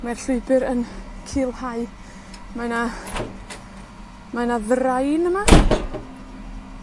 Mae'r llwybyr yn culhau mae 'na mae 'na ddrain yma,